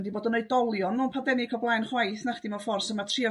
wedi bod yn oedolion mewn pademnig o'blaen chwaith nachdi? Mewn ffor' so ma' trio